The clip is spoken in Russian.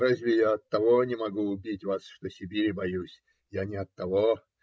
Разве я оттого не могу убить вас, что Сибири боюсь? Я не оттого.